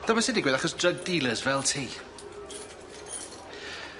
Dyma sy'n digwydd achos drug dealers fel ti.